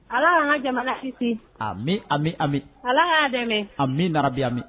Ala anan jamana kisi a bɛ a a ala y'a dɛmɛ a bɛ nabi yanmi